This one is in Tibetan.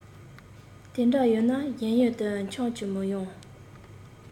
དེ འདྲ ཡོད ན གཞན ཡུལ དུ ཁྱམས བཅུག མི ཡོང